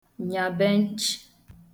ṅàbe nchị̀